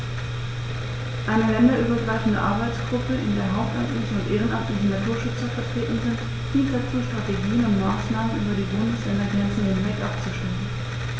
Eine länderübergreifende Arbeitsgruppe, in der hauptamtliche und ehrenamtliche Naturschützer vertreten sind, dient dazu, Strategien und Maßnahmen über die Bundesländergrenzen hinweg abzustimmen.